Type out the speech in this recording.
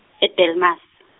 e- Delmas.